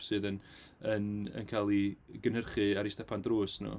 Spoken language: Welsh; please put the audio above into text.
Sydd yn yn yn cael eu gynhyrchu ar eu stepan drws nhw.